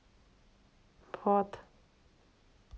в ад